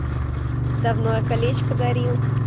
давно я колечко дарил